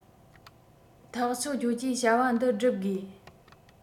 ཐག ཆོད ཁྱོད ཀྱིས བྱ བ འདི སྒྲུབ དགོས